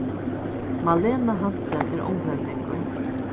malena hansen er onglendingur